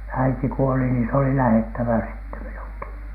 äiti kuoli niin se oli lähdettävä sitten minunkin